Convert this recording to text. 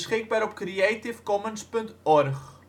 53° 10 ' NB, 6° 59 ' OL